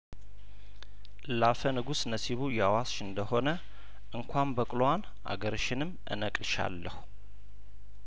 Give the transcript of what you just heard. ለአፈንጉስ ነሲቡ ያዋስሽ እንደሆነ እንኳን በቅሎዋን አገርሽንም እነቅልሻለሁ